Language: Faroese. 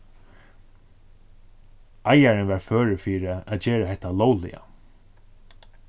eigarin var førur fyri at gera hetta lógliga